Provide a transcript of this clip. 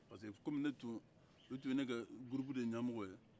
parce que kɔmi ne tun ye ne kɛ gurupu de ɲɛmɔgɔ ye